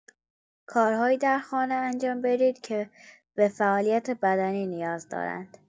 کارهایی در خانه انجام بدید که به فعالیت بدنی نیاز دارند.